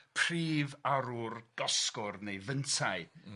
prif arwr gosgwrdd neu fyntai... M-hm.